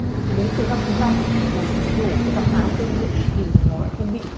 nếu từ năm chị nhổ cái răng kia đi thì nó lại không phải